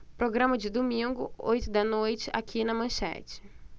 programa de domingo oito da noite aqui na manchete